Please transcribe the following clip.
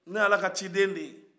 ne ye ala ka ciden de ye